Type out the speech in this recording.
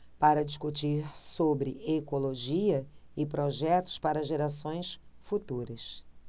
para discutir sobre ecologia e projetos para gerações futuras